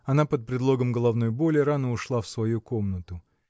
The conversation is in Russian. Она под предлогом головной боли рано ушла в свою комнату.